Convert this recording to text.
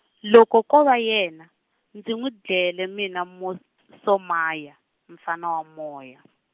loko ko va yena ndzi n'wi dlele mina mos- Somaya mfana wa moya.